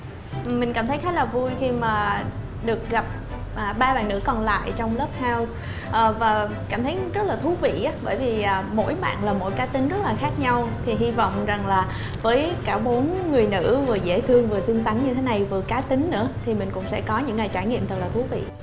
mình cảm thấy khá là vui khi mà được gặp à ba bạn nữ còn lại trong lớp hao và cảm thấy rất là thú vị á bởi vì mỗi bạn là mỗi cá tính rất là khác nhau thì hy vọng rằng là với cả bốn người nữ vừa dễ thương vừa xinh xắn như thế này vừa cá tính nữa thì mình cũng sẽ có những ngày trải nghiệm thật là thú vị